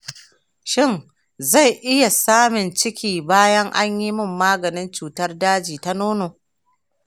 shin zan iya samin ciki bayan an yi min maganin cutar daji ta nono?